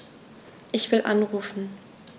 Ich will anrufen.